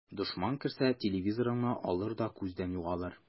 Дошман керсә, телевизорыңны алыр да күздән югалыр.